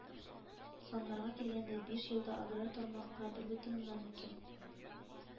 Саннарга килгәндә, биш елда аграр тармакка бер бөтен уннан ике